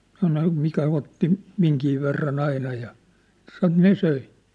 sanoi mikä otti minkin verran aina ja sanoi ne söi